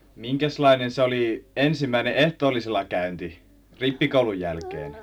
minkäslainen se oli ensimmäinen ehtoollisella käynti rippikoulun jälkeen